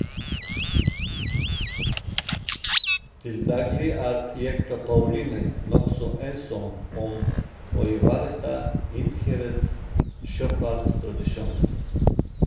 Til daglig er jekta "Pauline" nokså ensom om å ivareta Innherreds sjøfartstradisjoner.